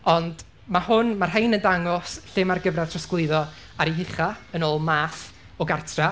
ond ma' hwn, mae'r rhain yn dangos lle mae'r gyfradd trosglwyddo ar ei ucha, yn ôl math o gartre.